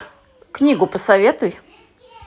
книгу посоветуй